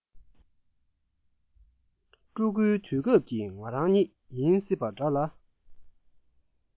ཕྲུ གུའི དུས སྐབས ཀྱི ང རང ཉིད ཡིན སྲིད པ འདྲ